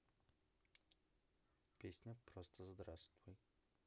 песня просто здравствуй